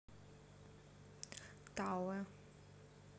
tower